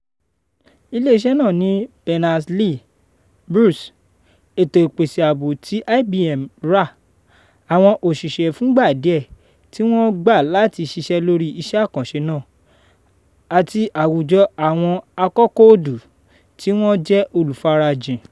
Ilé iṣẹ́ náà ní Berners-Lee, Bruce, ètò ìpèsè ààbò tí IBM rà, àwọn òṣìṣẹ́ fúngbàdíẹ̀ tí wọ́n gbà láti ṣiṣẹ́ lórí iṣẹ́ àkànṣe náà, àti àwùjọ àwọn akọkóòdù tí wọ́n jẹ́ olùfarajìn.